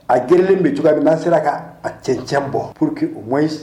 A glen bɛ cogoya min n na sera ka a cɛnɛnc bɔ pour que u mɔ